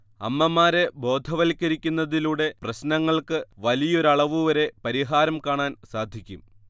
അമ്മമാരെ ബോധവൽക്കരിക്കുന്നതിലൂടെ പ്രശ്നങ്ങൾക്ക് വലിയൊരളവുവരെ പരിഹാരം കാണാൻ സാധിക്കും